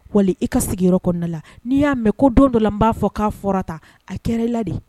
Wali i ka sigiyɔrɔ kɔnɔnada n'i y'a mɛn ko don dɔ n b'a fɔ k'a fɔra ta a kɛra ladi